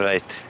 Reit.